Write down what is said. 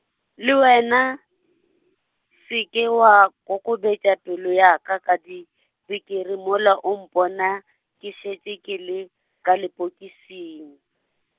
le wena, se ke wa kokobetša pelo ya ka ka dipikiri mola o mpona, ke šetše ke le, ka lepokising.